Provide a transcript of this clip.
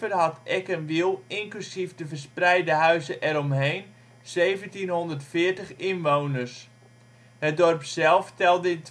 had Eck en Wiel inclusief de verspreide huizen eromheen 1740 inwoners. Het dorp zelf telde